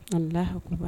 Nlahakuba